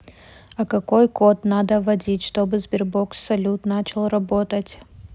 а какой код надо вводить чтобы sberbox салют начал работать